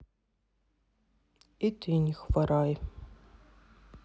и ты не хворай